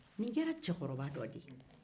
nin kɛra cɛkɔrɔba dɔ ye